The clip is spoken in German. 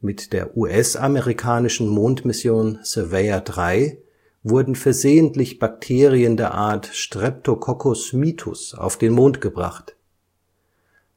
Mit der US-amerikanischen Mondmission Surveyor 3 wurden versehentlich Bakterien der Art Streptococcus mitus auf den Mond gebracht.